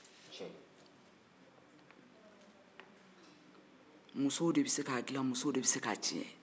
musow de bɛ se k'a dila musow de bɛ se k'a tiɲɛ